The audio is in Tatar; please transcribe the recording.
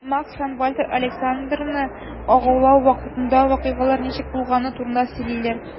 Максим һәм Вальтер Александрны агулау вакытында вакыйгалар ничек булганы турында сөйлиләр.